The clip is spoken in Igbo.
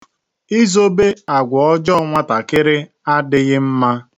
Izobe àgwà ọjọọ nwatakịrị adịghị mma.